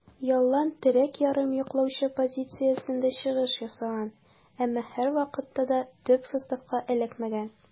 Ялланн терәк ярым яклаучы позициясендә чыгыш ясаган, әмма һәрвакытта да төп составка эләкмәгән.